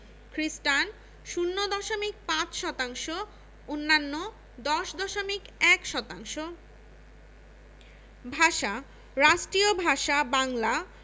খ্রিস্টান ০দশমিক ৫ শতাংশ অন্যান্য ০দশমিক ১ শতাংশ ভাষাঃ রাষ্ট্রীয় ভাষা বাংলা